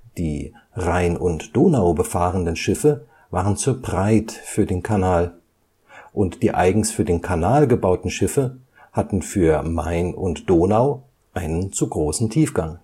Die Rhein und Donau befahrenden Schiffe waren zu breit für den Kanal und die eigens für den Kanal gebauten Schiffe hatten für Main und Donau einen zu großen Tiefgang